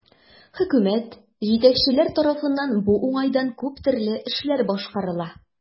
Хөкүмәт, җитәкчеләр тарафыннан бу уңайдан күп төрле эшләр башкарыла.